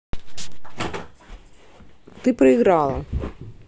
ты проиграла